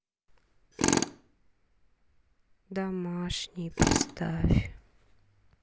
домашний поставь